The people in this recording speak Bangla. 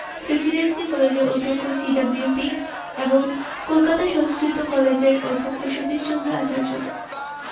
প্রেসিডেন্সি কলেজের অধ্যাপক সি.ডব্লিউ পিক এবং কলকাতা সংস্কৃত কলেজের অধ্যক্ষ সতীশচন্দ্র আচার্য